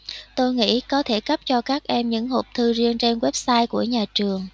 tôi nghĩ có thể cấp cho các em những hộp thư riêng trên website của nhà trường